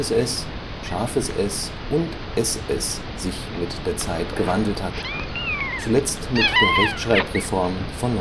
s, ß und ss sich mit der Zeit gewandelt hat, zuletzt mit der Rechtschreibreform von